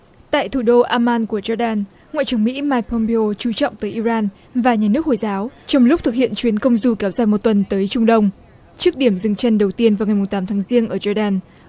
tại thủ đô am man của troi đan ngoại trưởng mỹ mai pôm peo chú trọng tới i ran và nhà nước hồi giáo trong lúc thực hiện chuyến công du kéo dài một tuần tới trung đông trước điểm dừng chân đầu tiên vào ngày mùng tám tháng giêng ở troi đan